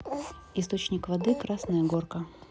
источник воды красная горка